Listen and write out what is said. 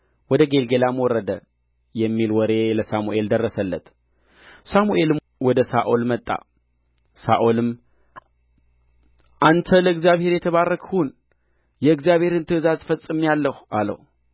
ወደ ጌልገላም ወረደ የሚል ወሬ ለሳሙኤል ደረሰለት ሳሙኤልም ወደ ሳኦል መጣ ሳኦልም አንተ ለእግዚአብሔር የተባረክህ ሁን የእግዚአብሔርን ትእዛዝ ፈጽሜአለሁ አለው